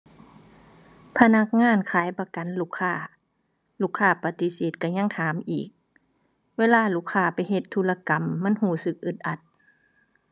พนักงานขายประกันลูกค้า ลูกค้าปฏิเสธก็ยังถามอีก เวลาลูกค้าไปเฮ็ดธุรกรรมมันก็สึกอึดอัด